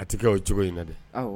A tɛ kɛ o cogo in na dɛ